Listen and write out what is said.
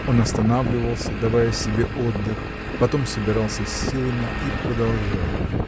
Он останавливался, давая себе отдых, потом собирался с силами и продолжал.